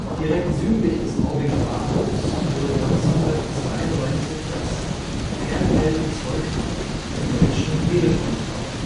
Direkt südlich des Aubinger Bahnhofs wurde 1992 das Fernmeldezeugamt der Deutschen Telekom gebaut